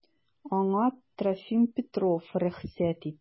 Аңа Трофим Петров рөхсәт итте.